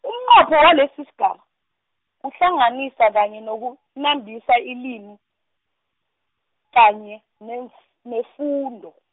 umNqopho walesisigaba, kuhlanganisa kanye nokunabisa ilimi, kanye nemf- nefundo.